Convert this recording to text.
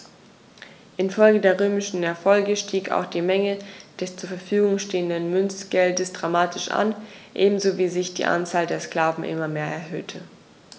Infolge der römischen Erfolge stieg auch die Menge des zur Verfügung stehenden Münzgeldes dramatisch an, ebenso wie sich die Anzahl der Sklaven immer mehr erhöhte.